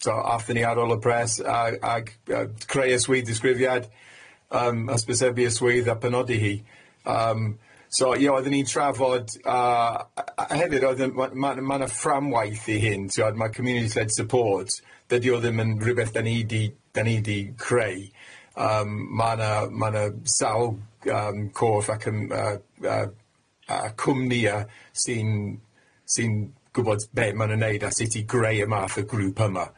so aethon ni ar ôl y pres a- ag yy creu y swydd-ddisgrifiad yym hysbysebu y swydd a penodi hi yym so ie oedden ni'n trafod yy a- a- a- a- hefyd oedden ma' ma' ma' 'na fframwaith i hyn t'bod ma' community led support, dydi o ddim yn rhywbeth 'dan ni 'di 'dan ni 'di creu yym ma' 'na ma' 'na sawl yym corff ac yym yy yy yy cwmnïa sy'n sy'n gwbod be' ma' nw'n neud a sut i greu y math o grŵp yma.